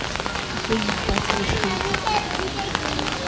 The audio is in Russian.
заебать решил